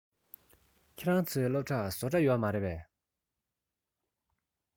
ཁྱོད རང ཚོའི སློབ གྲྭར བཟོ གྲྭ ཡོད རེད པས